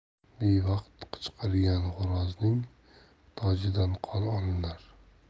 bevaqt qichqirgan xo'rozning tojidan qon olinar